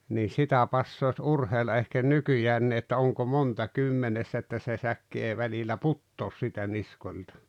niin sitä passaisi urheilla ehkä nykyäänkin että onko monta kymmenessä että se säkki ei välillä putoa siitä niskoilta